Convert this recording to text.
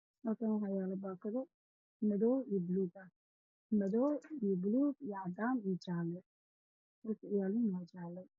halkan wax yaalo baakado madow jaalo buluug iyo cadaan ah dhulka ay yaalan waa cadaan